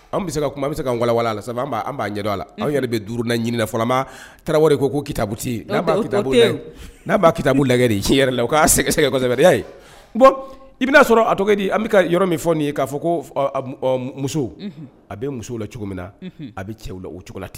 An bɛ se ka kuma an bɛ se ka walawa la an an b'an ɲɛ la an yɛrɛ bɛ du na ɲini fɔlɔ taara ko ko kitabuti n'a kibu n'a' kitabu lajɛg yɛrɛ la o k'a sɛgɛ sɛgɛgɛ ye bɔn i bɛna'a sɔrɔ at di an bɛ yɔrɔ min fɔ n nin ye k'a fɔ ko muso a bɛ muso la cogo min na a bɛ cɛ la o cogola ten